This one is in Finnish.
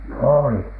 oli